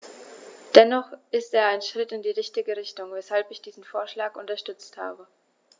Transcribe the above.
Dennoch ist er ein Schritt in die richtige Richtung, weshalb ich diesen Vorschlag unterstützt habe.